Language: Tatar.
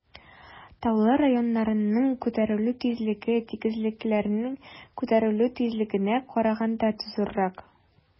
Таулы районнарның күтәрелү тизлеге тигезлекләрнең күтәрелү тизлегенә караганда зуррак.